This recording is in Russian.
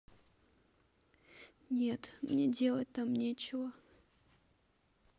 нет мне делать там нечего